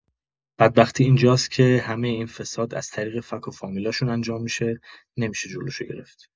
بدبختی اینجاست که همه این فساد از طریق فک و فامیلاشون انجام می‌شه، نمی‌شه جلوشو گرفت